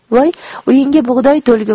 voy uyingga bug'doy to'lgurlar